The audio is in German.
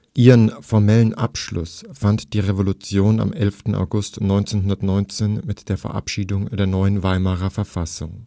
Ihren formellen Abschluss fand die Revolution am 11. August 1919 mit der Verabschiedung der neuen Weimarer Verfassung